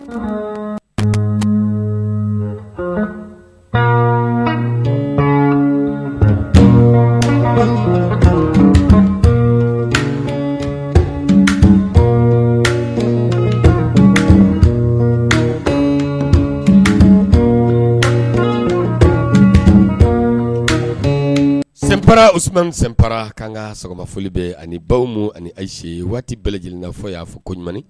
Sen pa os sen pa ka kan ka sɔgɔmaoli bɛ ani baw ma ani ayise ye waati bɛɛ lajɛlen n'a fɔ y'a fɔ koɲuman